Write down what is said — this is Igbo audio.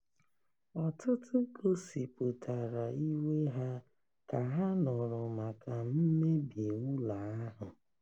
Ọtụtụ gosipụtara iwe ha ka ha nụrụ maka mmebi ụlọ ahụ.